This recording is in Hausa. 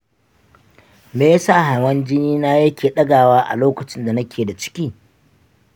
me ya sa hawan jini na yake ɗagawa a lokacin da nake da ciki?